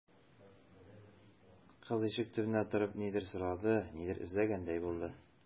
Кыз, ишек төбендә торып, нидер сорады, нидер эзләгәндәй булды.